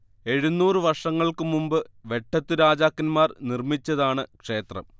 എഴുന്നൂറ് വർഷങ്ങൾക്കു മുമ്പ് വെട്ടത്തു രാജാക്കൻമാർ നിർമ്മിച്ചതാണ് ക്ഷേത്രം